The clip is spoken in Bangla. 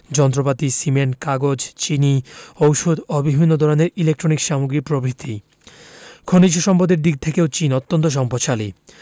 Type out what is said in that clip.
যন্ত্রপাতি সিমেন্ট কাগজ চিনি ঔষধ ও বিভিন্ন ধরনের ইলেকট্রনিক্স সামগ্রী প্রভ্রিতি খনিজ সম্পদের দিক থেকেও চীন অত্যান্ত সম্পদশালী